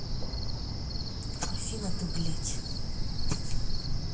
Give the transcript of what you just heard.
афина ты блядь